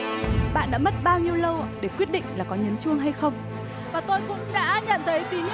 bạn đã mất bao nhiêu lâu để quyết định là có nhấn chuông hay không và tôi cũng đã nhận thấy tín